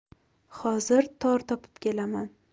hozir tor topib kelaman